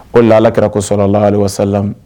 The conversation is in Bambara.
O la ala kɛrara kosɔrɔ lagawasala